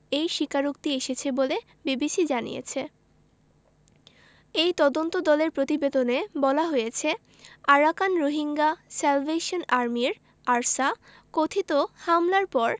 এই স্বীকারোক্তি এসেছে বলে বিবিসি জানিয়েছে ওই তদন্তদলের প্রতিবেদনে বলা হয়েছে আরাকান রোহিঙ্গা স্যালভেশন আর্মির আরসা কথিত হামলার পর